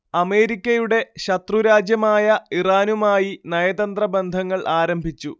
അമേരിക്കയുടെ ശത്രുരാജ്യമായ ഇറാനുമായി നയതന്ത്ര ബന്ധങ്ങൾ ആരംഭിച്ചു